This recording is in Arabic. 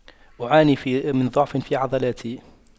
اعاني في من ضعف في عضلاتي